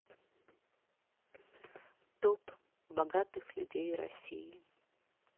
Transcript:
топ богатых людей россии